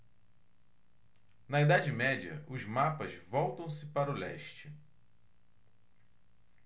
na idade média os mapas voltam-se para o leste